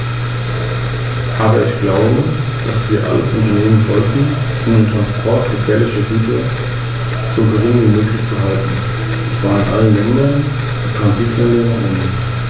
Wir alle bedauern, dass das Europäische Komitee für Normung nicht in der Lage gewesen ist, in der geforderten Zeit die notwendige Vorschriftenänderung für eine entsprechende Harmonisierung im Geltungsbereich der Europäischen Union durchzuführen.